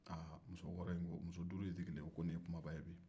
aa muso duuru in sigilen ko nin ye kumaba ye bi dɛ